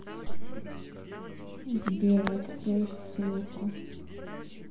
сбер открой ссылку